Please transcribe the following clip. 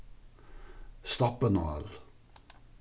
stoppinál